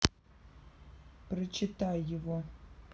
прочитай его